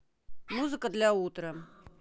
музыка для утра